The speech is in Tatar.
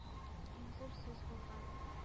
Иң зур сүз булган.